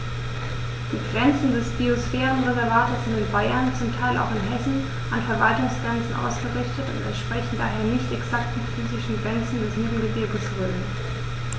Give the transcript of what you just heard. Die Grenzen des Biosphärenreservates sind in Bayern, zum Teil auch in Hessen, an Verwaltungsgrenzen ausgerichtet und entsprechen daher nicht exakten physischen Grenzen des Mittelgebirges Rhön.